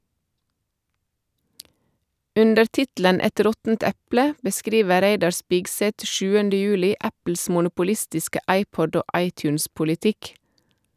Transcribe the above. Under tittelen "Et råttent eple" beskriver Reidar Spigseth 7. juli Apples monopolistiske iPod- og iTunes-politikk.